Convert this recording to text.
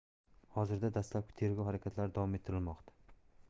hozirda dastlabki tergov harakatlari davom ettirilmoqda